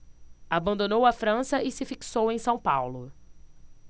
abandonou a frança e se fixou em são paulo